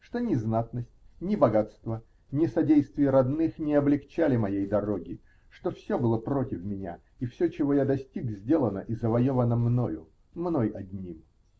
Что ни знатность, ни богатство, ни содействие родных не облегчали моей дороги, что все было против меня, и все, чего я достиг, сделано и завоевано мною, мной одним!